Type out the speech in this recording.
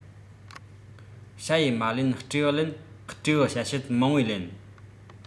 བྱ ཡི མ ལན སྤྲེའུས ལན སྤྲེའུ བྱ བྱེད མང བས ལན